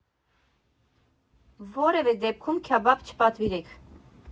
Որևէ դեպքում քյաբաբ չպատվիրեք.